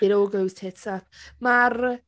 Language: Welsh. It all goes tits up. Ma'r...